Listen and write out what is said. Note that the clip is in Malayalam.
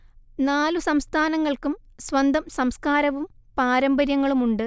നാലു സംസ്ഥാനങ്ങൾക്കും സ്വന്തം സംസ്കാരവും പാരമ്പര്യങ്ങളുമുണ്ട്